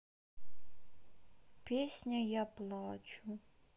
песня я плачу